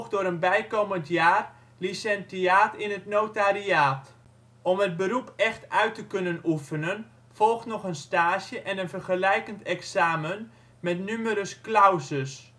door een bijkomend jaar " licentiaat in het notariaat ". Om het beroep echt uit te kunnen oefenen volgt nog een stage en een vergelijkende examen met numerus clausus